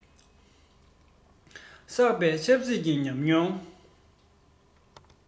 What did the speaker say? བསགས པའི ཆབ སྲིད ཀྱི ཉམས མྱོང